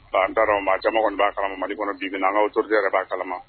An taara ma caman kɔni'a kan mali kɔnɔ bin'an'awotod yɛrɛ b'a kalama